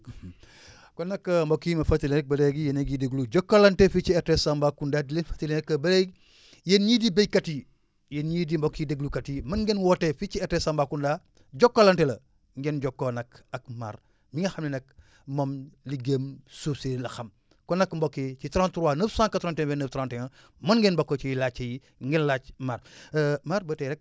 kon nag mbokk yi ma fàttali rek ba léegi yéen a ngi déglu jokkalante fii ci RTS Tambacounda di leen fàttali nag ba léegi yéen ñii di béykat yi yéen ñii di mbokki déglukat yi mën ngeen woote fii ci RTS Tambacounda jokkalante la ngeen jokkoo nag ak Mar mi nga xam ne nag moom liggéeyam suuf si la xam kon nag mbokk yi ci 33 981 29 31 mën ngeen bokk ci laajte yi ngir laaj Mar Mar ba tey rek